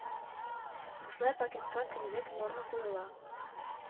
Бушлай пакетка көнлек норма куела